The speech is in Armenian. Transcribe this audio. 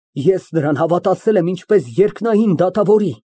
Ես նրան հավատացել եմ ինչպես երկնային դատավորի։